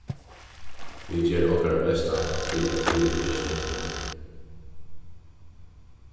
vit gera okkara besta fyri at fyribyrgja smittuni